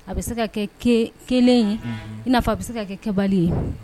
A bɛ se ka kɛ kelen ye n'a fɔ a bɛ se ka kɛ kɛbali ye